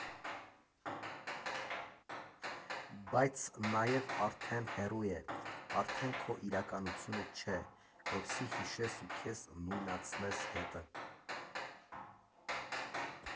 Բայց նաև արդեն հեռու է, արդեն քո իրականությունը չէ, որպեսզի հիշես ու քեզ նույնացնես հետը։